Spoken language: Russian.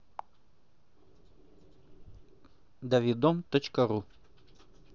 давидом точка ру